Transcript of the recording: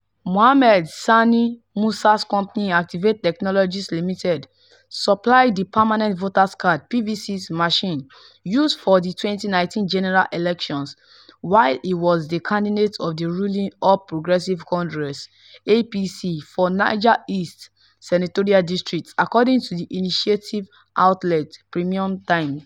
Mohammed Sani Musa’s company, Activate Technologies Limited, supplied the Permanent Voter Cards (PVCs) machine used for the 2019 general elections, while he was the candidate of the ruling All Progressives Congress (APC) for Niger East Senatorial district, according to the investigate outlet, Premium Times.